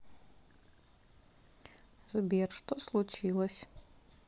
сбер что случилось